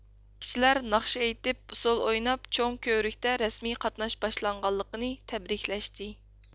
كىشىلەر ناخشا ئېيتىپ ئۇسسۇل ئويناپ چوڭ كۆۋرۈكتە رەسمىي قاتناش باشلانغانلىقىنى تەبرىكلەشتى